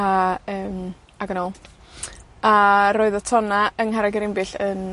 A, yym, ag yn ôl. A roedd y tonna yng Ngharreg Yr Imbyll yn